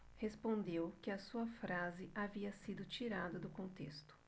respondeu que a sua frase havia sido tirada do contexto